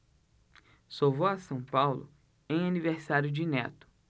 só vou a são paulo em aniversário de neto